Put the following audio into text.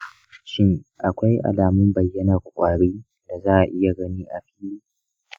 shin akwai alamun bayyanar kwari da za a iya gani a fili?